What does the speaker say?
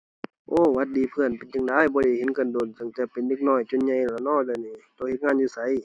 โอ้ หวัดดีเพื่อน เป็นจั่งใด บ่ได้เห็นกันโดน ตั้งแต่เป็นเด็กน้อย จนใหญ่ละเนาะ เดี๋ยวนี้ โตเฮ็ดงานอยู่ไส